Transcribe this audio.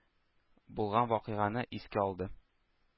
Булган вакыйганы искә алды.